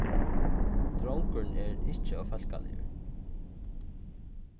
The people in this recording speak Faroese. drongurin er ikki ófólkaligur